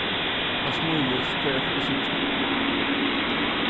hann smílist hvørja ferð eg síggi hann